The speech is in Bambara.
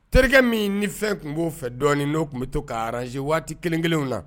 Terikɛ min ni fɛn tun b'o fɛ dɔɔnin n' tun bɛ to ka renze waati kelen kelen na